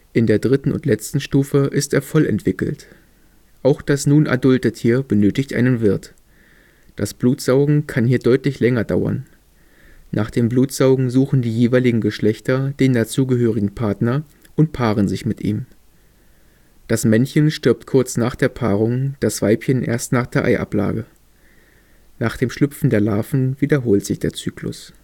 In der dritten und letzten Stufe ist er voll entwickelt. Auch das nun adulte Tier benötigt einen Wirt. Das Blutsaugen kann hier deutlich länger dauern. Nach dem Blutsaugen suchen die jeweiligen Geschlechter den dazugehörigen Partner und paaren sich mit ihm. Das Männchen stirbt kurz nach der Paarung, das Weibchen erst nach der Eiablage. Nach dem Schlüpfen der Larven wiederholt sich der Zyklus